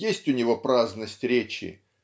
Есть у него праздность речи